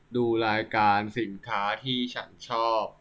ดูรายการสินค้าที่ฉันชอบ